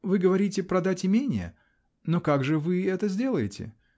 -- Вы говорите: продать имение. Но как же вы это сделаете?